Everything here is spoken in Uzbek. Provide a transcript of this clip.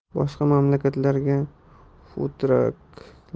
boshqa mamlakatlarga fudtrak lar